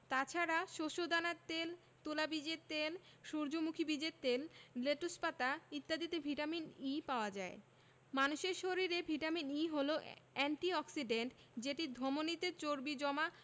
তাছাড়া শস্যদানার তেল তুলা বীজের তেল সূর্যমুখী বীজের তেল লেটুস পাতা ইত্যাদিতে ভিটামিন E পাওয়া যায় মানুষের শরীরে ভিটামিন E হলো এন্টি অক্সিডেন্ট যেটি ধমনিতে চর্বি জমা